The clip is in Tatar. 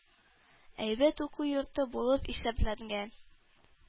Әйбәт уку йорты булып исәпләнгән,